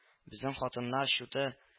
Безнең хатыннар чуты